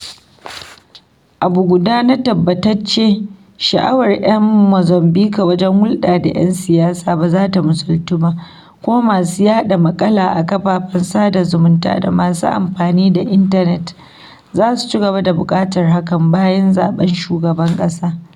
Abu guda ne tabbatacce, sha'awar 'yan Mozambika wajen hulɗa da 'yan siyasa ba zata musaltu ba, kuma masu yaɗa maƙala a kafafen sada zumunta da masu amfani da intanet zasu ci gaba da buƙatar hakan bayan zaɓen Shugaban ƙasa.